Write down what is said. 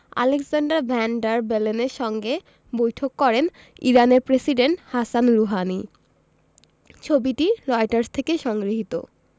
Alexander van der বেলেনের সঙ্গে বৈঠক করেন ইরানের প্রেসিডেন্ট হাসান রুহানি ছবিটি রয়টার্স থেকে সংগৃহীত